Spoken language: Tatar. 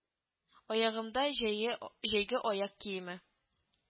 Аягымда – җәе җәйге аяк киеме